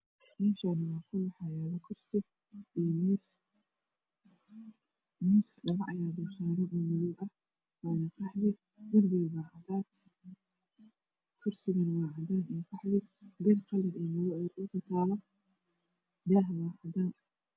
Meshaani waa qol waxaa yala kursi miis miiska dhalo ayaa dulsaran oo madoow ah miiska waa qaxwi kursigana waa cadan iyo qaxwi bir qalin iyo madow ayaa dhuulka tala daha waa cadan